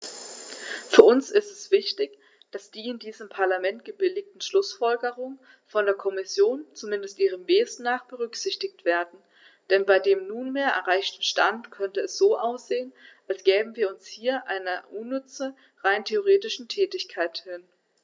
Für uns ist es wichtig, dass die in diesem Parlament gebilligten Schlußfolgerungen von der Kommission, zumindest ihrem Wesen nach, berücksichtigt werden, denn bei dem nunmehr erreichten Stand könnte es so aussehen, als gäben wir uns hier einer unnütze, rein rhetorischen Tätigkeit hin.